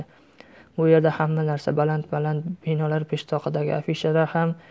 bu yerda hamma narsa baland baland binolar peshtoqidagi afishalar ham